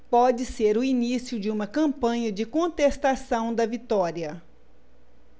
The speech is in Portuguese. pode ser o início de uma campanha de contestação da vitória